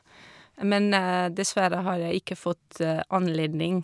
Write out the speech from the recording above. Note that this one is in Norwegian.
Men dessverre har jeg ikke fått anledning.